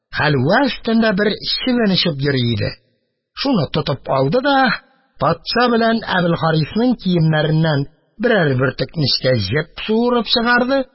Хәлвә өстендә бер чебен очып йөри иде, шуны тотып алды да патша белән Әбелхарисның киемнәреннән берәр бөртек нечкә җеп суырып чыгарды.